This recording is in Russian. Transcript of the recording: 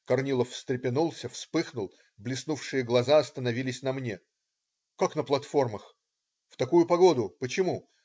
Корнилов встрепенулся, вспыхнул, блеснувшие глаза остановились на мне: "Как на платформах! в такую погоду! Почему?!